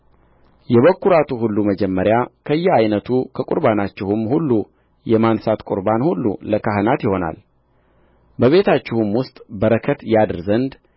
የበኵራቱ ሁሉ መጀመሪያ ከየዓይነቱ ከቍርባናችሁም ሁሉ የማንሣት ቍርባን ሁሉ ለካህናት ይሆናል በቤታችሁም ውስጥ በረከት ያድር ዘንድ